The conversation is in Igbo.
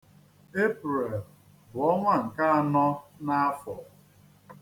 Epreel bụ ọnwa nke anọ n'afọ.